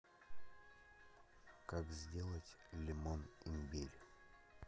как сделать лимон имбирь